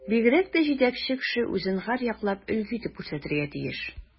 Бигрәк тә җитәкче кеше үзен һәрьяклап өлге итеп күрсәтергә тиеш.